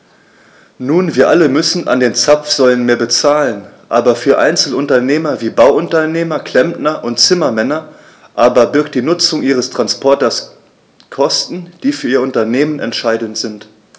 Nun wir alle müssen an den Zapfsäulen mehr bezahlen, aber für Einzelunternehmer wie Bauunternehmer, Klempner und Zimmermänner aber birgt die Nutzung ihres Transporters Kosten, die für ihr Unternehmen entscheidend sind.